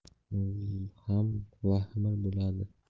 ham vahimali bo'ladi